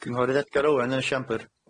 Cynghorydd Edgar Owen yn y siambyr.